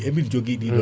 emin jogui ɗin